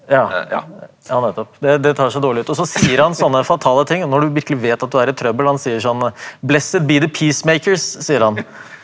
ja ja ja nettopp det det tar seg dårlig ut og så sier han sånne fatale ting og når du virkelig vet at du er i trøbbel han sier sånn sier han.